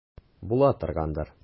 Була торгандыр.